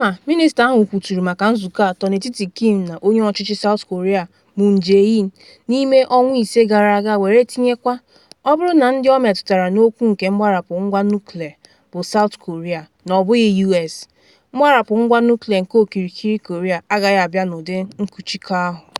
Kama mịnịsta ahụ kwuturu maka nzụkọ atọ n’etiti Kim na onye ọchịchị South Korea Moon Jae-in n’ime ọnwa ise gara aga were tinyekwa: “Ọ bụrụ na ndị ọ metutara n’okwu nke mgbarapụ ngwa nuklịa bụ South Korea na ọ bụghị U.S, mgbarapụ ngwa nuklịa nke okirikiri Korea agaghị abịa n’ụdị nkụchikọ a.”